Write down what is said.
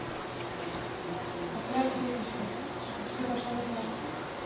отправить весточку что то пошло не так